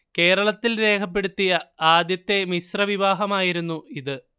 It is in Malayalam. കേരളത്തിൽ രേഖപ്പെടുത്തിയ ആദ്യത്തെ മിശ്രവിവാഹമായിരുന്നു ഇത്